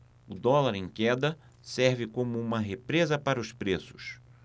o dólar em queda serve como uma represa para os preços